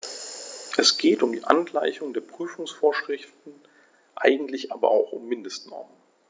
Es geht um die Angleichung der Prüfungsvorschriften, eigentlich aber auch um Mindestnormen.